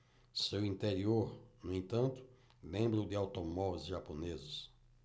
seu interior no entanto lembra o de automóveis japoneses